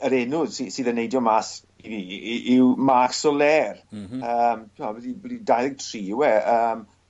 yr enw sy sydd yn neidio mas i fi y- yw Marc Soler. M-hm. Yym t'mod byti byti dau ddeg tri yw e yym